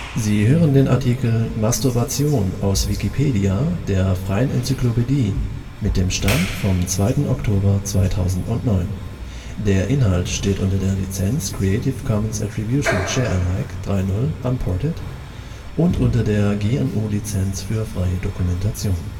Sie hören den Artikel Masturbation, aus Wikipedia, der freien Enzyklopädie. Mit dem Stand vom Der Inhalt steht unter der Lizenz Creative Commons Attribution Share Alike 3 Punkt 0 Unported und unter der GNU Lizenz für freie Dokumentation